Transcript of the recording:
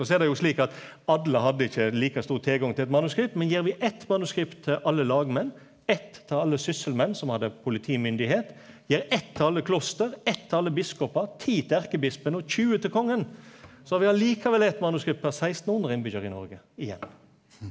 og så er det jo slik at alle hadde ikkje like stor tilgang til eit manuskript men gir vi eitt manuskript til alle lagmenn, eitt til alle sysselmenn som hadde politimyndigheit, gir eitt til alle kloster, eitt til alle biskopar, ti til erkebispen og 20 til kongen, så har vi likevel eitt manuskript per 1600 innbyggjarar i Noreg igjen.